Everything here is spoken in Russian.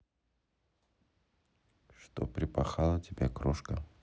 что припахала тебя крошка